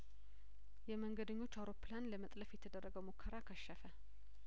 የመንገደኞች አውሮፕላን ለመጥለፍ የተደረገው ሙከራ ከሸፈ